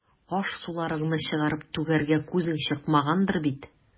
Аш-суларыңны чыгарып түгәргә күзең чыкмагандыр бит.